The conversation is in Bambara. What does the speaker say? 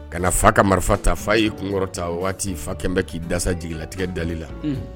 Kana fa ka marifa ta fa y'i kun ta waati fa kɛmɛbe k'i dasajlatigɛ dali la